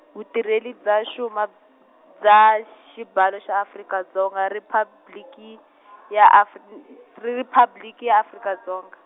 Vutireli bya Xuma, bya Xibalo xa Afrika Dzonga Riphabiliki ya Afir- ri- Riphabiliki ya Afrika Dzonga.